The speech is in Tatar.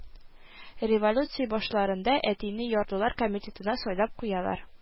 Революция башларында әтине ярлылар комитетына сайлап куялар